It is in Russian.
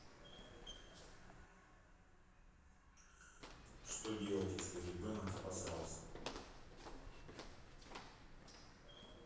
что делать если ребенок обосрался